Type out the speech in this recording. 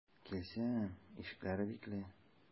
Килсәм, ишекләре бикле.